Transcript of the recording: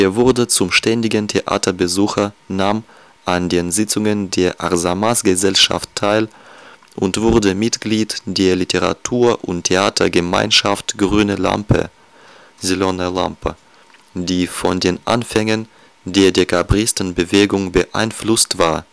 wurde zum ständigen Theaterbesucher, nahm an den Sitzungen der Arsamas-Gesellschaft teil und wurde Mitglied der Literatur - und Theatergemeinschaft Grüne Lampe (Зелёная лампа), die von den Anfängen der Dekabristenbewegung beeinflusst war